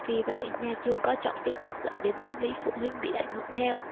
vì vậy nhà trường coi trọng kiến thức dẫn đến tâm lý phụ huynh bị ảnh hưởng theo